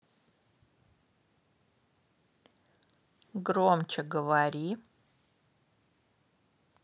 громче говори